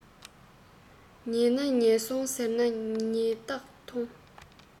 ཉེས ན ཉེས སོང ཟེར ནས ཉེས གཏགས ཐོངས